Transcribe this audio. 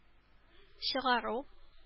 Чыгару